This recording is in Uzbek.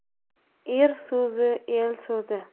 er so'zi el so'zi